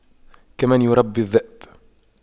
كمن يربي الذئب